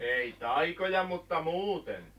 ei taikoja mutta muuten